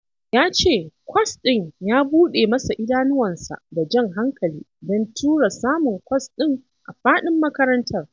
Ya ce kwas ɗin ya buɗe masa idanuwansa da jan hankali don tura samun kwas ɗin a faɗin makarantar.